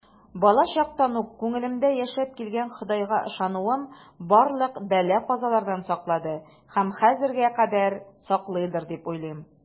Балачактан ук күңелемдә яшәп килгән Ходайга ышануым барлык бәла-казалардан саклады һәм хәзергә кадәр саклыйдыр дип уйлыйм.